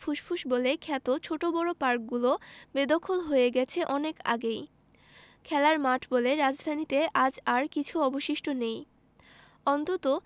ফুসফুস বলে খ্যাত ছোট বড় পার্কগুলো বেদখল হয়ে গেছে অনেক আগেই খেলার মাঠ বলে রাজধানীতে আজ আর কিছু অবশিষ্ট নেই অন্তত